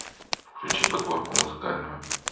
включи подборку музыкальную